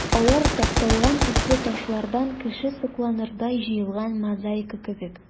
Алар тапталган төсле ташлардан кеше сокланырдай җыелган мозаика кебек.